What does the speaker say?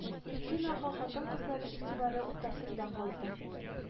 Иркен ага хатын-кызларның игътибары уртасында калды